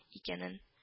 Икәнен